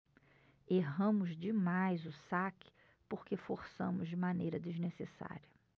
erramos demais o saque porque forçamos de maneira desnecessária